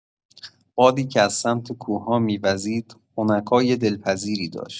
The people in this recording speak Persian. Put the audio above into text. بادی که از سمت کوه‌ها می‌وزید، خنکای دلپذیری داشت.